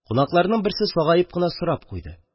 Кунакларның берсе сагаеп кына сорап куйды: